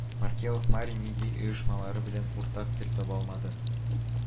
Маркелов Мари милли оешмалары белән уртак тел таба алмады